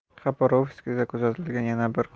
xabarovskda kuzatilgan yana bir